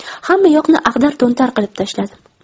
hammayoqni ag'dar to'ntar qilib tashladim